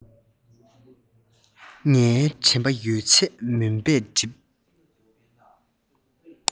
ངའི དྲན པ ཡོད ཚད མུན པས བསྒྲིབས